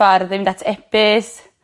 ...ffordd fynd at ebys'.